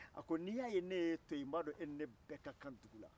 a ko n'i y'a ye ne y'e to yen n b'a dɔn e ni ne bɛɛ ka kan dugu la